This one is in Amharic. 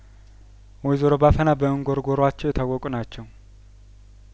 ወይዘሮ ባፈና በእንጉርጉሯቸው የታወቁ ናቸው